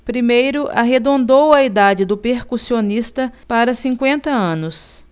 primeiro arredondou a idade do percussionista para cinquenta anos